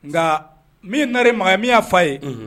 Nka min naare ma min y'a fa ye